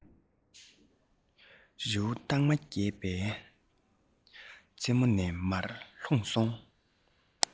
རི བོ སྟག མ རྒྱས པའི རྩེ མོ ནས མར ལྷུང སོང